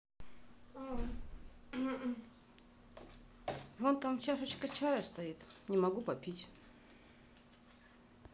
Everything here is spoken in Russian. вон там чашечка чая стоит не могу попить